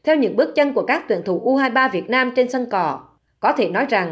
theo những bước chân của các tuyển thủ u hai ba việt nam trên sân cỏ có thể nói rằng